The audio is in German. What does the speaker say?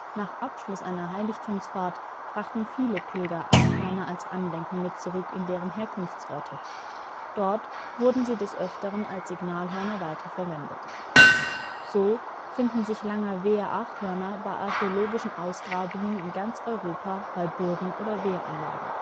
Nach Abschluss einer Heiligtumsfahrt brachten viele Pilger Aachhörner als Andenken mit zurück in deren Herkunftsorte. Dort wurden sie des Öfteren als Signalhörner weiter verwendet. So finden sich Langerweher Aachhörner bei archäologischen Ausgrabungen in ganz Europa bei Burgen oder Wehranlagen